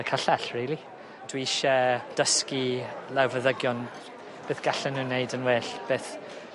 y cyllell rili. Dwi isie dysgu lawfeddygion beth gallen nw wneud yn well. Beth